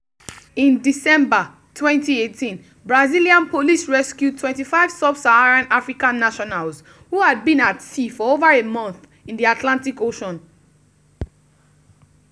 In December 2018, Brazilian police rescued 25 sub-Saharan African nationals who had “been at sea for over a month” in the Atlantic Ocean.